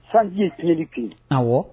Sanji filɛli bi a